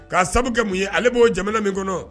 K'a sababu kɛ mun ye ale b'o jamana min kɔnɔ